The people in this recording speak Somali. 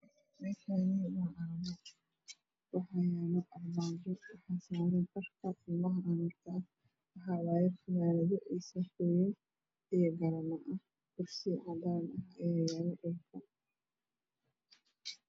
Meeshaani waxaa yaalo armaajo waxaa saaran caruurta waxaa weeye fananad saakoyin garano kursi cadaan ayaa yaalo meesha